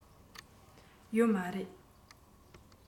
ཡོད མ རེད